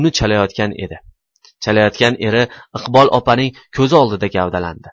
uni chalayotgan eri iqbol opaning ko'zi oldida gavdalandi